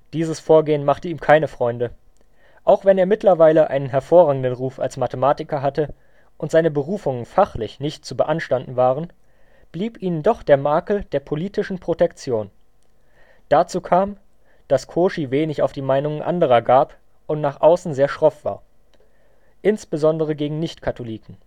Dieses Vorgehen machte ihm keine Freunde. Auch wenn er mittlerweile einen hervorragenden Ruf als Mathematiker hatte und seine Berufungen fachlich nicht zu beanstanden waren, blieb ihnen doch der Makel der politischen Protektion. Dazu kam, dass Cauchy wenig auf die Meinungen anderer gab und nach außen sehr schroff war, insbesondere gegen Nichtkatholiken